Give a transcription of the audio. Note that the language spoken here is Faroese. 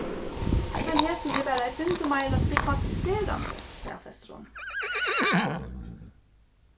men hesin er bara eitt sindur meira stigmatiserandi staðfestir hon